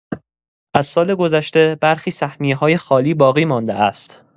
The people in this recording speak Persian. از سال‌گذشته، برخی سهمیه‌های خالی باقی‌مانده است.